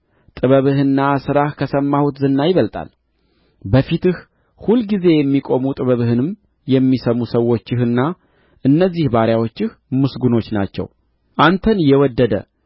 ጥበብህና ሥራህ ከሰማሁት ዝና ይበልጣል በፊትህ ሁልጊዜ የሚቆሙ ጥበብህንም የሚሰሙ ሰዎችህና እነዚህ ባሪያዎችህ ምስጉኖች ናቸው አንተን የወደደ